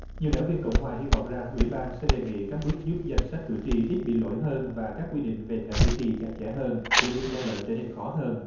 nhiều đảng viên cộng hòa hy vọng rằng ủy ban sẽ đề nghị các bước giúp danh sách cử tri ít bị lỗi hơn và các quy định về thẻ cử tri chặt chẽ hơn để việc gian lận trở nên khó hơn